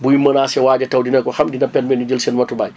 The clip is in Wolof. buy menacer waaj a taw dina ko xam dina permettre ñu jël seen matuwaay